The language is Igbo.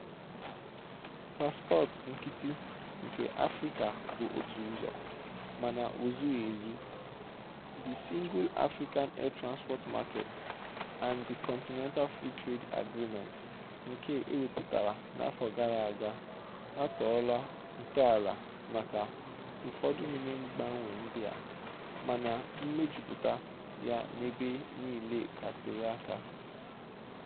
Paspọtụ nkịtị nke Afrịka bụ otu ụzọ— mana ozughị ezu. The Single African Air Transport market (SAATM), and the Continental Free Trade Agreement, nke ewepụtara n'afọ gara aga, a tọọla ntọala maka ụfọdụ n'ime mgbanwe ndị a, mana mmejupụta ya n'ebe niile ka tere aka.